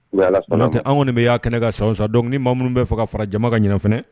Anw kɔni de bɛ y'a kɛnɛ ka son san don maa minnu bɛ faga ka fara jama ka ɲininɛ